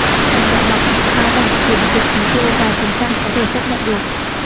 trường đại học cao đẳng tuyển vượt chỉ tiêu vài phần trăm có thể chấp nhận được